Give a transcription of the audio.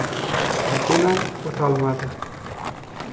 mashina o'tolmadi